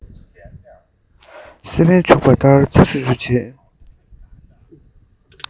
སེ པན བྱུགས པ ལྡར ཚ ཤུར ཤུར བྱེད